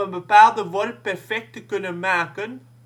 bepaalde worp perfect te kunnen maken